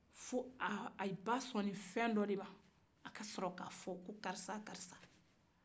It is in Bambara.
fo aaa ayi ba sɔnna ko dɔ de ma a ka sɔrɔ ka fɔ ko karisa-karisa